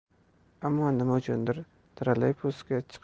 ammo nima uchundir trolleybusga chiqib